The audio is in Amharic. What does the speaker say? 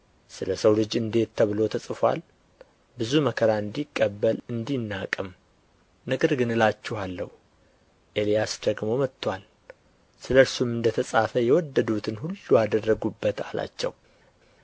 ስለ ሰው ልጅም እንዴት ተብሎ ተጽፎአል ብዙ መከራ እንዲቀበል እንዲናቅም ነገር ግን እላችኋለሁ ኤልያስ ደግሞ መጥቶአል ስለ እርሱም እንደ ተጸፈ የወደዱትን ሁሉ አደረጉበት አላቸው